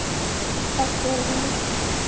а кто то умер